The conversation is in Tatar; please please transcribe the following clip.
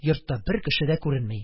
Йортта бер кеше дә күренми.